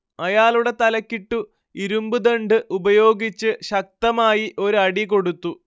അയാളുടെ തലക്കിട്ടു ഇരുമ്പ്ദണ്ഡ് ഉപയോഗിച്ച് ശക്തമായി ഒരടി കൊടുത്തു